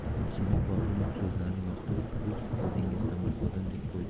qosimbek boburning so'zlarini yoqtirib lutf qildingiz amirzodam deb qo'ydi